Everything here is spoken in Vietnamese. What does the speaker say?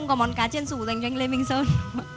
có món cá chiên xù dành cho anh lê minh sơn